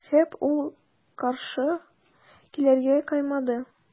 Һәм ул каршы килергә кыймады.